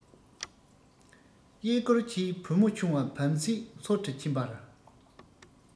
གཡས བསྐོར གྱིས བུ མོ ཆུང བ བམ སྲིད འཚོལ དུ ཕྱིན པར